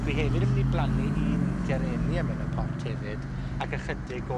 Dwi hefyd yn mynd i blannu un Gerenium yn y pot hefyd, ac ychydig o